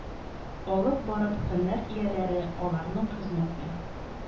Алып барып, һөнәр ияләре, аларның хезмәте